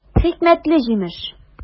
Хикмәтле җимеш!